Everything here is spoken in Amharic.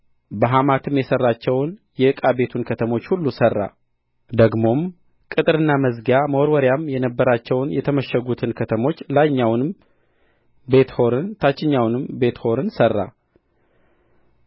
በሐማትም የሠራቸውን የዕቃ ቤቱን ከተሞች ሁሉ ሠራ ደግሞም ቅጥርና መዝጊያ መወርወሪያም የነበራቸውን የተመሸጉትን ከተሞች ላይኛውን ቤትሖሮን ታችኛውንም ቤትሖሮን ሠራ